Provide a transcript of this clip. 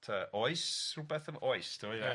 Te oes rhwbeth yym oes ti'mo' ia?